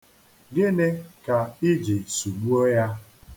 Gịnị ka i ji sụgbuo ya?